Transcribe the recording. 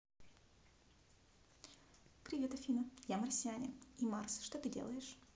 привет афина я марсианин и mars что ты делаешь